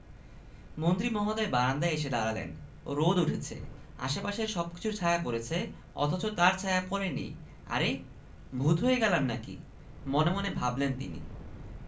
মন্ত্রী মহোদয় বলুন মনের ডাক্তারের কাছে কিছু গোপন রাখতে নেই কিছুক্ষণ ভেবে বলতে শুরু করলেন মন্ত্রী শুনুন ভাই এত দিন মনে হতো আমার জীবনটা সফল